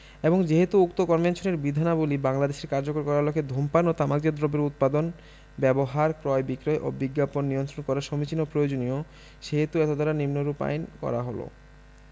এবং যেহেতু উক্ত কনভেনশনের বিধানাবলী বাংলাদেশে কার্যকর করার লক্ষ্যে ধূমপান ও তামাকজাত দ্রব্যের উৎপাদন ব্যবহার ক্রয় বিক্রয় ও বিজ্ঞাপন নিয়ন্ত্রণ করা সমীচীন ও প্রয়োজনীয় সেহেতু এতদ্বারা নিম্নরূপ আইন করা হল